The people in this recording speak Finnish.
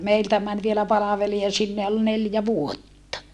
meiltä meni vielä palvelija sinne ja oli neljä vuotta